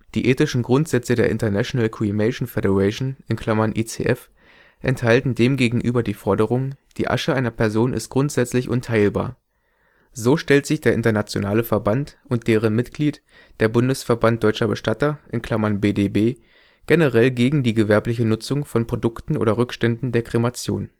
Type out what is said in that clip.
Die ethischen Grundsätze der International Cremation Federation (ICF) enthalten demgegenüber die Forderung: „ Die Asche einer Person ist grundsätzlich unteilbar. “So stellt sich der internationale Verband und deren Mitglied der Bundesverband Deutscher Bestatter (BDB) generell gegen die gewerbliche Nutzung von Produkten oder Rückstanden der Kremation